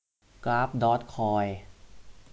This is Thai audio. กราฟดอร์จคอย